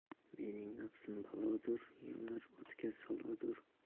mening nafsim balodur yonar o'tga soladur